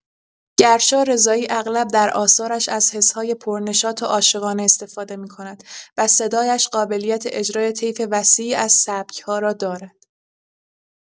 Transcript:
گرشا رضایی اغلب در آثارش از حس‌های پرنشاط و عاشقانه استفاده می‌کند و صدایش قابلیت اجرای طیف وسیعی از سبک‌ها را دارد.